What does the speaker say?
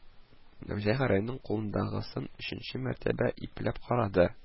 Намаҗан Гәрәйнең кулындагысын өченче мәртәбә ипләп карады